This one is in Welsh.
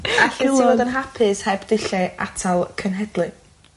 Allet ti fod yn hapus heb dulle atal cenhedlu?